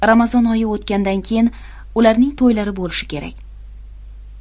ramazon oyi o'tgandan keyin ularning to'ylari bo'lishi kerak